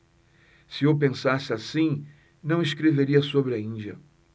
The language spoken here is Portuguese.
se eu pensasse assim não escreveria sobre a índia